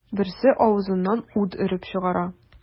Берсе авызыннан ут өреп чыгара.